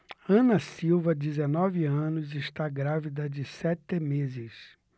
ana silva dezenove anos está grávida de sete meses